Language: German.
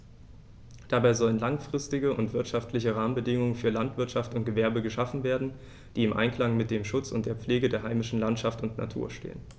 Dabei sollen langfristige und wirtschaftliche Rahmenbedingungen für Landwirtschaft und Gewerbe geschaffen werden, die im Einklang mit dem Schutz und der Pflege der heimischen Landschaft und Natur stehen.